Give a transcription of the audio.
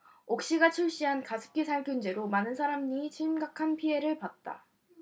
옥시가 출시한 가습기살균제로 많은 사람이 심각한 피해를 봤다